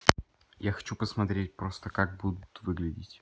я хочу посмотреть просто как будут выглядеть